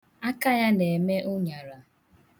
Aka ya na-eme ụṅara.